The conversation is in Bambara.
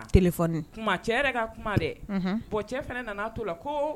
Kuma cɛ yɛrɛ ka kuma dɛ bɔn cɛ fana nana t'o la ko